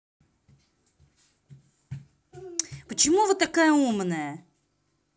почему вы такая не умная